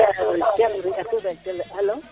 alo